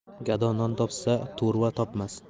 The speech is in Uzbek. gado non topsa to'rva topmas